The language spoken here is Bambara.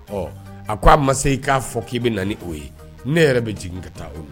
Ɔ a ko a ma se i k'a fɔ k'i bɛ na ni o ye ne yɛrɛ bɛ jigin ka taa o